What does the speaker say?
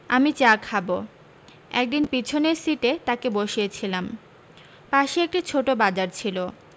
আমি চা খাবো একদিন পিছনের সিটে তাকে বসিয়েছিলাম পাশে একটি ছোটো বাজার ছিল